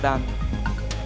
ạ